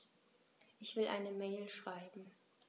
Ich will eine Mail schreiben.